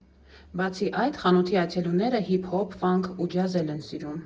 Բացի այդ, խանութի այցելուները հիփ֊հոփ, ֆանք ու ջազ էլ են սիրում։